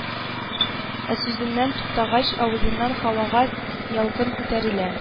Ә сүзеннән туктагач, авызыннан һавага ялкын күтәрелә